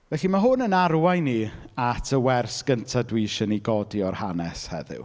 Felly, ma' hwn yn arwain ni at y wers gynta dwi isie i ni godi o'r hanes heddiw.